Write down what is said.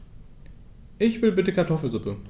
Ich will bitte Kartoffelsuppe.